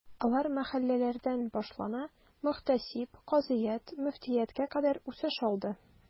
Алар мәхәлләләрдән башлана, мөхтәсиб, казыят, мөфтияткә кадәр үсеш алды.